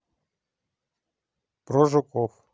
про жуков